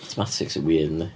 Automatics yn weird yndi.